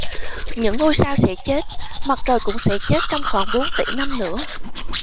những ngôi sao sẽ chết mặt trời cũng sẽ chết trong khoảng bốn tỷ năm nữa